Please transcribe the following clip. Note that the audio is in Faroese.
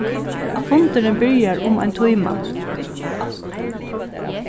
fundurin byrjar um ein tíma